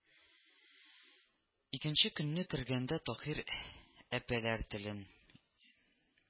Икенче көнне кергәндә Таһир әпәләр телен